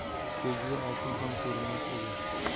ko'ziga oltin ham ko'rinmas edi